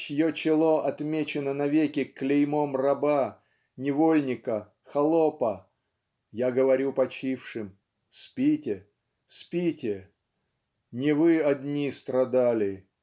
чье чело отмечено навеки Клеймом раба невольника холопа Я говорю почившим "Спите, спите! Не вы одни страдали